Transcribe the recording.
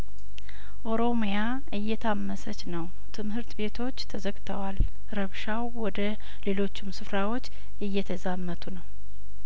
ኦሮሚያ እየታመሰች ነው ትምህርት ቤቶች ተዘግተዋል ረብሻው ወደ ሌሎችም ስፍራዎች እየተዛመቱ ነው